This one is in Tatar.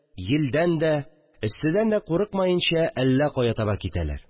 Йилдән дә, эсседән дә курыкмаенча, әллә кая таба китәләр